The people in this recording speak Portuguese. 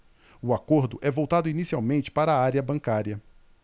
o acordo é voltado inicialmente para a área bancária